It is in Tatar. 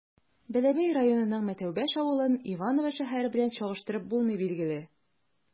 Бәләбәй районының Мәтәүбаш авылын Иваново шәһәре белән чагыштырып булмый, билгеле.